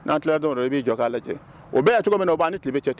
N'a tilala dɔrɔn i b'i jɔ k'a lajɛ cɛ o bɛɛ ye cogo min na o b' ni tile bɛ cɛ ten